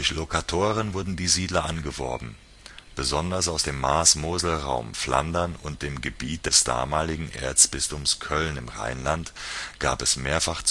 Lokatoren wurden die Siedler angeworben. Besonders aus dem Maas-Mosel-Raum, Flandern und dem Gebiet des damaligen Erzbistums Köln (Rheinland) gab es mehrfach